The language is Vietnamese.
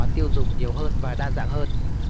tiêu dùng nhiều hơn và đa dạng hơn